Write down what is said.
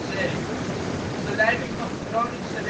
2006 en 2007 onder leiding van de Groningse